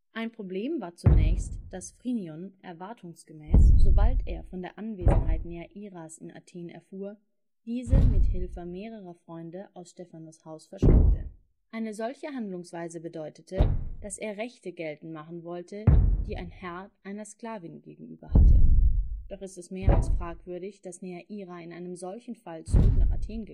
Ein Problem war zunächst, dass Phrynion erwartungsgemäß, sobald er von der Anwesenheit Neairas in Athen erfuhr, diese mit Hilfe mehrerer Freunde aus Stephanos ' Haus verschleppte. Eine solche Handlungsweise bedeutete, dass er Rechte geltend machen wollte, die ein Herr seiner Sklavin gegenüber hatte. Doch ist es mehr als fragwürdig, dass Neaira in einem solchen Falle zurück nach Athen gegangen